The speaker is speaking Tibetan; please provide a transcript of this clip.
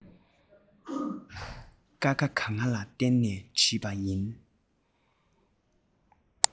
ཀ ཁ ག ང ལ བརྟེན ནས བྲིས པ དེ ཡིན